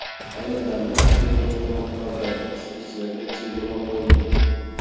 ayni damda cheklangan miqdordagi isitgichlarga chegirma qo'yilgan